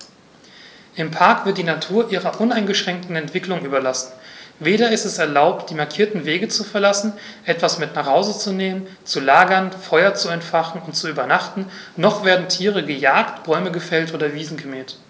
Im Park wird die Natur ihrer uneingeschränkten Entwicklung überlassen; weder ist es erlaubt, die markierten Wege zu verlassen, etwas mit nach Hause zu nehmen, zu lagern, Feuer zu entfachen und zu übernachten, noch werden Tiere gejagt, Bäume gefällt oder Wiesen gemäht.